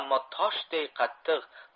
ammo toshday qattiq